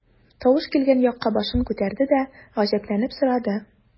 Тавыш килгән якка башын күтәрде дә, гаҗәпләнеп сорады.